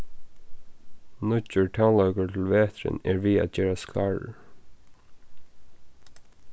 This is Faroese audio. nýggjur tónleikur til veturin er við at gerast klárur